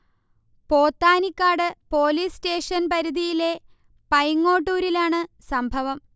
Pothanikkad police station പരിധിയിലെ പൈങ്ങോട്ടൂരിലാണ് സംഭവം